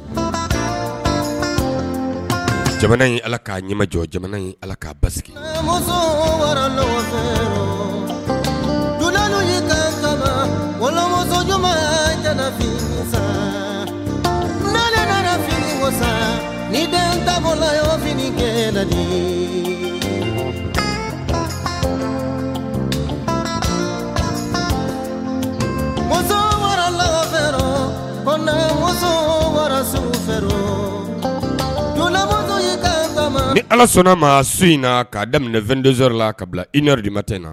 Jamana in ala k'a ɲɛjɔ jamana in ala k kaa basi jfin ni denla fini kɛ ye ni ala sɔnna ma so in na'a daminɛ den la ka bila i di ma tɛ na